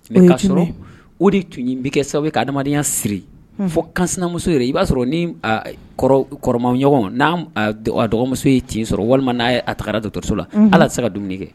O de tun in bɛ kɛ sababu ka adamadenyaya siri fɔ kamuso yɛrɛ i b'a sɔrɔ ni kɔrɔma ɲɔgɔn n'a dɔgɔmuso ye tiɲɛ sɔrɔ walima n'a a tagara dɔ dɔgɔtɔrɔso la ala tɛ se ka dumuni kɛ